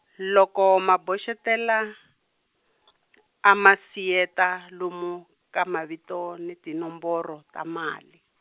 loko ma boxetela , a ma siyeta lomu, ka mavito ni tinomboro ta mali.